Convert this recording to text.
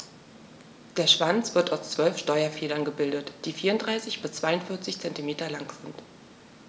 Der Schwanz wird aus 12 Steuerfedern gebildet, die 34 bis 42 cm lang sind.